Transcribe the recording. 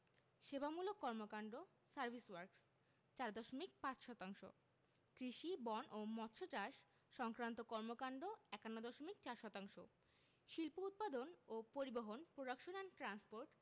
সেবামূলক কর্মকান্ড service works ৪ দশমিক ৫ শতাংশ কৃষি বন ও মৎসচাষ সংক্রান্ত কর্মকান্ড ৫১ দশমিক ৪ শতাংশ শিল্প উৎপাদন ও পরিবহণ প্রোডাকশন এন্ড ট্রান্সপোর্ট